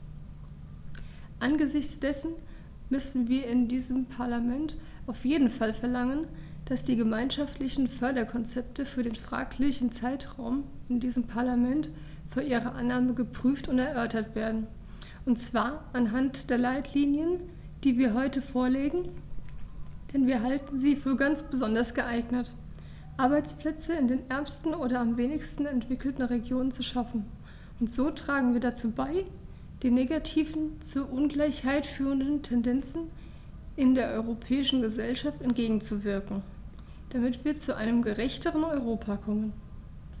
Angesichts dessen müssen wir in diesem Parlament auf jeden Fall verlangen, dass die gemeinschaftlichen Förderkonzepte für den fraglichen Zeitraum in diesem Parlament vor ihrer Annahme geprüft und erörtert werden, und zwar anhand der Leitlinien, die wir heute vorlegen, denn wir halten sie für ganz besonders geeignet, Arbeitsplätze in den ärmsten oder am wenigsten entwickelten Regionen zu schaffen, und so tragen wir dazu bei, den negativen, zur Ungleichheit führenden Tendenzen in der europäischen Gesellschaft entgegenzuwirken, damit wir zu einem gerechteren Europa kommen.